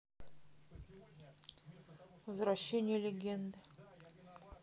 возвращение легенды